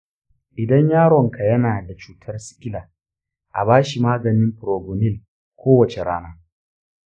idan yaronka yana da cutar sikila, a ba shi maganin proguanil kowace rana.